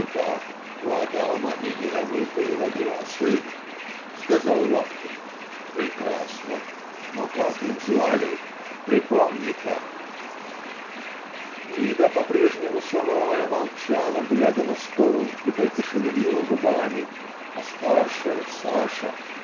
"Итак, у Адама и Евы было два сына, - сказал Лаптев. - Прекрасно. Но как их звали? Припомни-ка!" Лида по-прежнему суровая молчала глядя на стол и только шевелила губами а старшая Саша